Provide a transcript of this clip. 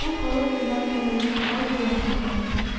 Бу халык белән аралашуга зыян сала.